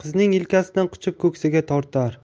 qizning yelkasidan quchib ko'ksiga tortar